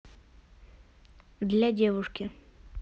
для девушки